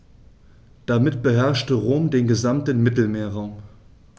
Damit beherrschte Rom den gesamten Mittelmeerraum.